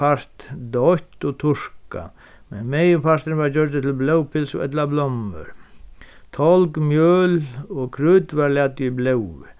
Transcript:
part doytt og turkað men meginparturin varð gjørdur til blóðpylsu ella blóðmør tálg mjøl og krydd varð latið í blóðið